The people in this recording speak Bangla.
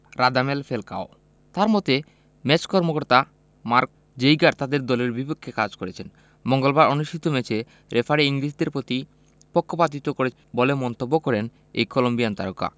রাদামেল ফ্যালকাও তার মতে ম্যাচ কর্মকর্তা মার্ক জেইগার তাদের দলের বিপক্ষে কাজ করেছেন মঙ্গলবার অনুষ্ঠিত ম্যাচে রেফারি ইংলিশদের প্রতি পক্ষপাতিত্ব করে বলে মন্তব্য করেন এই কলম্বিয়ান তারকা